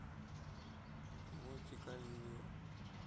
мультик оливия